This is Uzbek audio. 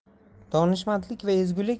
donishmandlik va ezgulik